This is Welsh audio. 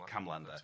Camlan 'de.